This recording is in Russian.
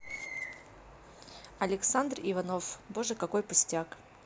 александр иванов боже какой пустяк